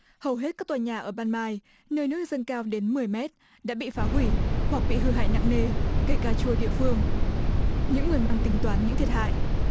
hầu hết các tòa nhà ở ban mai nơi nước dâng cao đến mười mét đã bị phá hủy hoặc bị hư hại nặng nề cây cà chua địa phương những người mang tính toán những thiệt hại